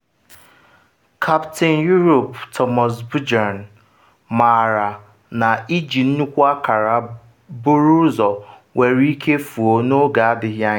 Kaptịn Europe Thomas Bjorn maara na iji nnukwu akara buru ụzọ nwere ike fuo n’oge adịghị anya